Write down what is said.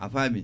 a faami